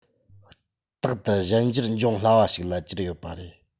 རྟག ཏུ གཞན འགྱུར འབྱུང སླ བ ཞིག ལ གྱུར ཡོད པ རེད